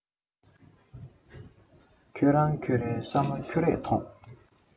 ཁྱོད རང ཁྱོད རའི བསམ བློ ཁྱོད རས ཐོངས